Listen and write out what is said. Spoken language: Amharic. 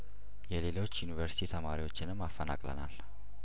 የሌሎች ዩኒቨርስቲ ተማሪዎችንም አፈናቅለናል